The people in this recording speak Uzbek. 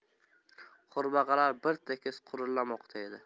qurbaqalar bir tekis qurillamoqda edi